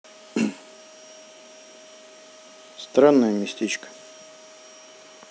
странное местечко